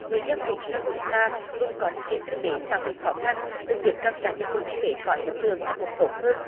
người dân vùng sâu vùng xa vùng có điều kiện kinh tế xã hội khó khăn được tiếp cận các dịch vụ y tế có chất lượng ngày một tốt hơn